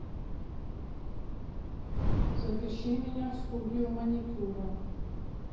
запиши меня в студию маникюра